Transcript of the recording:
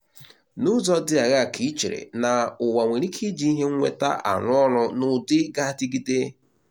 N'ụzọ dị aghaa ka ị chere ná ụwa nwere ike ịji ihe nweta arụ ọrụ n'ụdị ga-adịgide?